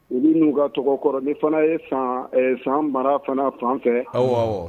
U nu ka tɔgɔkɔrɔ ni fana ye san mara fana fan fɛ